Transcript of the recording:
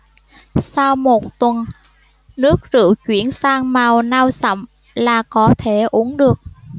sau một tuần nước rượu chuyển sang màu nâu sậm là có thể uống được